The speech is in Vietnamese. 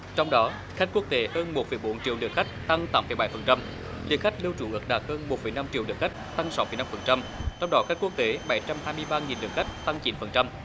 trong đó khách quốc tế hơn một phẩy bốn triệu lượt khách tăng tám phẩy bảy phần trăm lượt khách lưu trú ước đạt hơn một phẩy năm triệu lượt khách tăng sáu phẩy năm phần trăm trong đó khách quốc tế bảy trăm hai mươi ba nghìn lượt khách tăng chín phần trăm